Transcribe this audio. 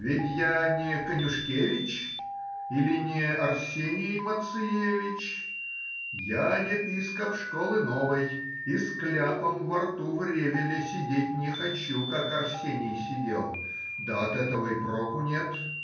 ведь я не Канюшкевич или не Арсений Мациевич,— я епископ школы новой и с кляпом во рту в Ревеле сидеть не хочу, как Арсений сидел, да от этого и проку нет.